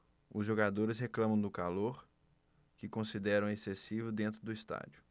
os jogadores reclamam do calor que consideram excessivo dentro do estádio